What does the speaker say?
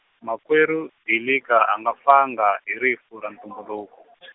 makwerhu Dilika a nga fanga hi rifu ra ntumbuluko .